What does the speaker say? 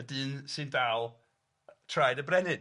Y dyn sy'n dal traed y brenin.